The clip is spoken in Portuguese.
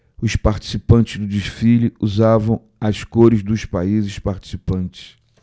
os participantes do desfile usavam as cores dos países participantes